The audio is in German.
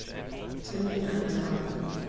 Termin eintragen